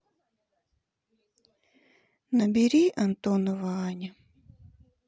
набери антонова аня